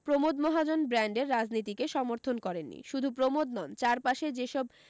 Pramod Mahajan brand এর রাজনীতিকে সমর্থন করেননি শুধু প্রমোদ নন চার পাশে যে সব